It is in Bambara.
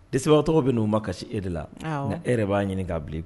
Dɛsɛba tɔgɔw b'i n'uu ma kasi e de la awɔɔ nka e yɛrɛ b'a ɲini k'a bili i kun